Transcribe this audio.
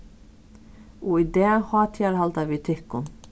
og í dag hátíðarhalda vit tykkum